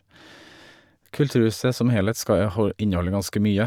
Kulturhuset som helhet skal jo hå inneholde ganske mye.